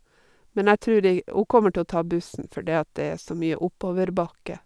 Men jeg trur i hun kommer til å ta bussen, fordi at det er så mye oppoverbakke.